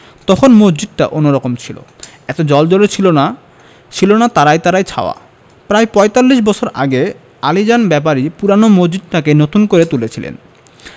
তখন মসজিদটা অন্যরকম ছিল এত জ্বলজ্বলে ছিল না ছিলনা তারায় তারায় ছাওয়া প্রায় পঁয়তাল্লিশ বছর আগে আলীজান ব্যাপারী পূরোনো মসজিদটাকে নতুন করে তুলেছিলেন